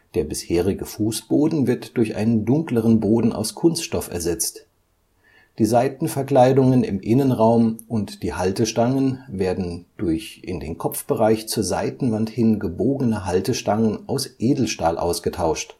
Der bisherige Fußboden wird durch einen dunkleren Boden aus Kunststoff ersetzt. Die Seitenverkleidungen im Innenraum und die Haltestangen werden durch in den Kopfbereich zur Seitenwand hin gebogene Haltestangen aus Edelstahl ausgetauscht